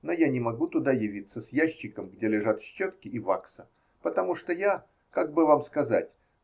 Но я не могу туда явиться с ящиком, где лежат щетки и вакса, потому что я. как бы вам сказать.